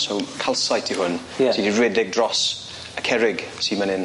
So calcite yw hwn. Ie. Sy 'di redeg dros y cerrig sy man 'yn.